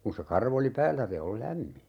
kun se karva oli päällä se on lämmin